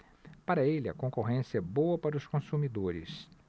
para ele a concorrência é boa para os consumidores